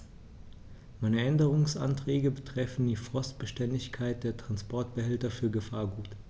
Meine Änderungsanträge betreffen die Frostbeständigkeit der Transportbehälter für Gefahrgut.